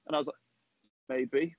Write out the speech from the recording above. And I was like, "maybe".